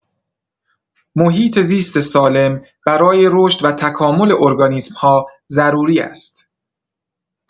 محیط‌زیست سالم برای رشد و تکامل ارگانیسم‌ها ضروری است.